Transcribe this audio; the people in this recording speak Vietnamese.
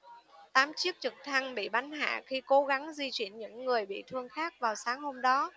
tám chiếc trực thăng bị bắn hạ khi cố gắng di chuyển những người bị thương khác vào sáng hôm đó